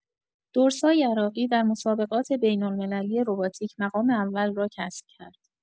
درسا یراقی، در مسابقات بین‌المللی روباتیک مقام اول را کسب کرد.